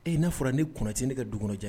E n'a fɔra ne Konate ne ka du kɔnɔ